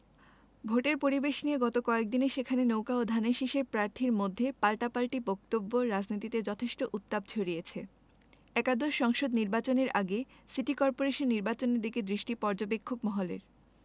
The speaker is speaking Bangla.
ভোটের পরিবেশ নিয়ে গত কয়েক দিনে সেখানে নৌকা ও ধানের শীষের প্রার্থীর মধ্যে পাল্টাপাল্টি বক্তব্য রাজনীতিতে যথেষ্ট উত্তাপ ছড়িয়েছে একাদশ সংসদ নির্বাচনের আগে সিটি করপোরেশন নির্বাচনের দিকে দৃষ্টি পর্যবেক্ষক মহলের